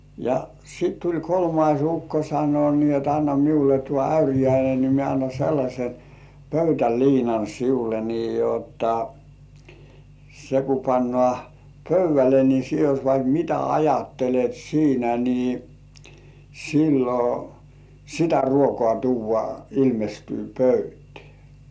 ja sitten tuli kolmas ukko sanoi niin jotta anna minulle tuo äyriäinen niin minä annan sellaisen pöytäliinan sinulle niin jotta se kun pannaan pöydälle niin sinä jos vaikka mitä ajattelet siinä niin silloin sitä ruokaa tuodaan ilmestyy pöytään